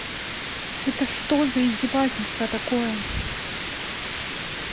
это что за издевательство такое